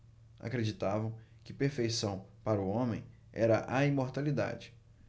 acreditavam que perfeição para o homem era a imortalidade